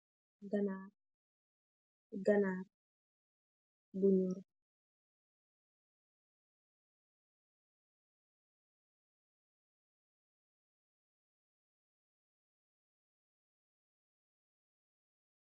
Ganarr ganarr bu nuul.